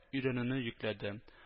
Өйрәнүне йөкләде